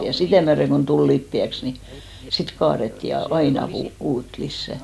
ja sitä myöden kun tuli lipeäksi niin sitten kaadettiin ja aina - uutta lisää